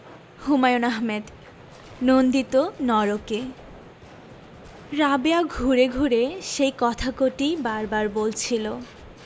হুমায়ুন আহমেদ নন্দিত নরকে রাবেয়া ঘুরে ঘুরে সেই কথা কটিই বার বার বলছিলো